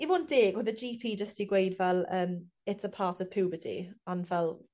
i fod yn deg o'dd y Gee Pee jyst 'di gweud fel yym it's a part of puberty ond fel